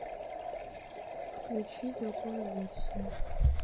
включи другую серию